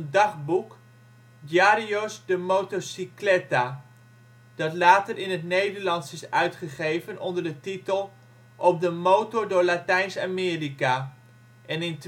dagboek " Diarios de motocicleta " dat later in het Nederlands is uitgegeven onder de titel " Op de motor door Latijns-Amerika " en in